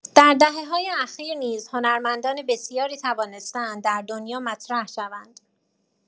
در دهه‌های اخیر نیز هنرمندان بسیاری توانسته‌اند در دنیا مطرح شوند.